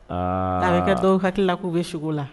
Aa a be kɛ dɔw hakili la k'u be sugo la